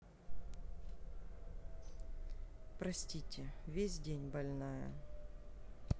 простите весь день больная